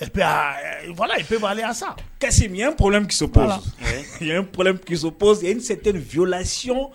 Bala sa ye ppp n sɛ tɛ fila si